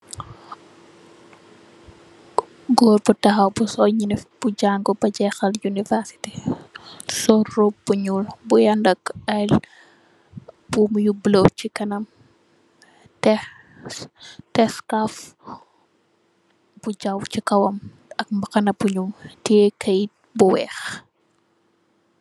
Gorre bu takhaw bu sol njinii, bu jaangue beh jehal university, sol rohbue bu njull bui yaandak aiiy buum yu bleu chi kanam, teh def scarf bu jaw chi kawam ak mbahanah bu njull, tiyeh keit bu wekh.